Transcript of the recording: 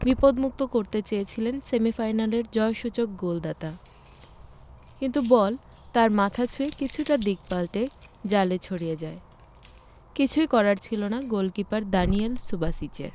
বিপদমুক্ত করতে চেয়েছিলেন সেমিফাইনালের জয়সূচক গোলদাতা কিন্তু বল তার মাথা ছুঁয়ে কিছুটা দিক পাল্টে জালে জড়িয়ে যায় কিছুই করার ছিল না গোলকিপার দানিয়েল সুবাসিচের